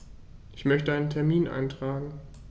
Ich möchte einen Termin eintragen.